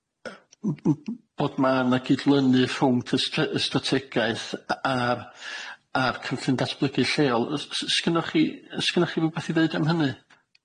yy m- m- m- bod ma' 'na gydlynu rhwng tyst- y strategaeth a- a'r a'r Cynllun Datblygu Lleol. S- s- sgynnoch chi y- sgynnoch chi rwbeth i ddeud am hynny?